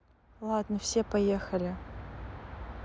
ладно все проехали